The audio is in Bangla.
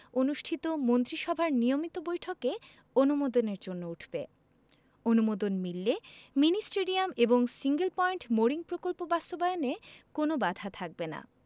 অনুষ্ঠিত মন্ত্রিসভার নিয়মিত বৈঠকে অনুমোদনের জন্য উঠবে অনুমোদন মিললে মিনি স্টেডিয়াম এবং সিঙ্গেল পয়েন্ট মোরিং প্রকল্প বাস্তবায়নে কোনো বাধা থাকবে না